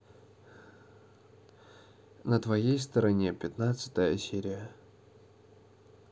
на твоей стороне пятнадцатая серия